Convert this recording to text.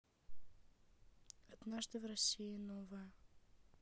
однажды в россии новое